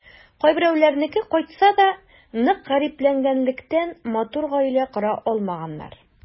Кайберләренеке кайтса да, нык гарипләнгәнлектән, матур гаилә кора алмаганнар.